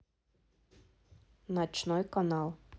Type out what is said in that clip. ночной канал